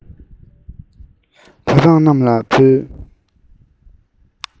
བོད འབངས རྣམས ལ ཕུལ